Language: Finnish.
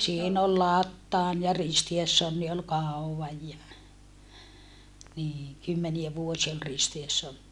siinä oli Plathan ja Kristiansson oli kauan ja niin kymmeniä vuosia oli Kristiansson